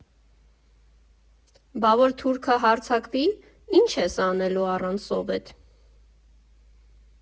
Բա որ թուրքը հարձակվի՞, ի՜նչ ես անելու առանց Սովետ։